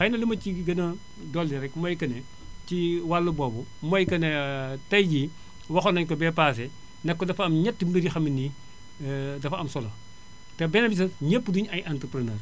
xëy na li ma ci gën a dolli rek mooy que ne ci wàllu boobu mooy que ne tey jii waxoon nañu ko bee paase ne ku dafa am ñett mbir yoo xam ne nii dafa am solo te beneen bi ci des ñëpp duñu ay entrepreneur